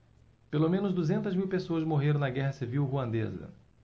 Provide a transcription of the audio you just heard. pelo menos duzentas mil pessoas morreram na guerra civil ruandesa